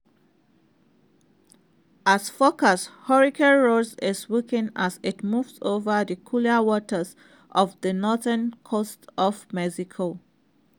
As forecast, Hurricane Rosa is weakening as it moves over the cooler waters of the northern coast of Mexico.